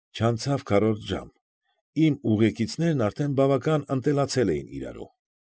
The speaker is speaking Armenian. Չանցավ քառորդ ժամ, իմ ուղեկիցներն արդեն բավական ընտելացել էին իրարու։